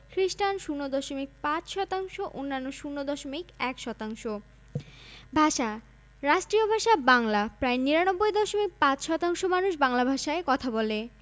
খ্রিস্টান ০দশমিক ৫ শতাংশ অন্যান্য ০দশমিক ১ শতাংশ ভাষাঃ রাষ্ট্রীয় ভাষা বাংলা প্রায় ৯৯দশমিক ৫শতাংশ মানুষ বাংলা ভাষায় কথা বলে